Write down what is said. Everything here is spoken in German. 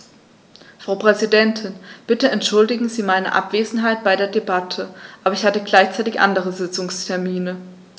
Frau Präsidentin, bitte entschuldigen Sie meine Abwesenheit bei der Debatte, aber ich hatte gleichzeitig andere Sitzungstermine.